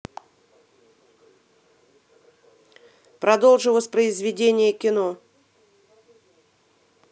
продолжи воспроизведение кино